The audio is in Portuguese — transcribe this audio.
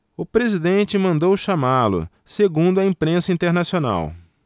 o presidente mandou chamá-lo segundo a imprensa internacional